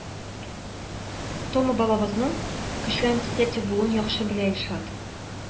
Тома балавызның көчле антисептик булуын яхшы белә Илшат.